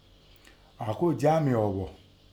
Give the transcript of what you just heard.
Àókò jẹ́ àmìn ọ̀ghọ̀.